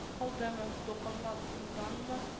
Калдымы, дулкынлануданмы